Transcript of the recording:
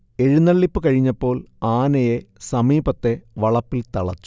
എഴുന്നള്ളിപ്പ് കഴിഞ്ഞപ്പോൾ ആനയെ സമീപത്തെ വളപ്പിൽ തളച്ചു